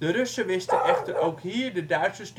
Russen wisten echter ook hier de Duitsers